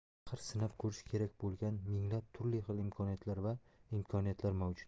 axir sinab ko'rish kerak bo'lgan minglab turli xil imkoniyatlar va imkoniyatlar mavjud